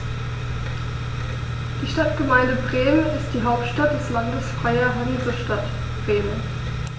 Die Stadtgemeinde Bremen ist die Hauptstadt des Landes Freie Hansestadt Bremen.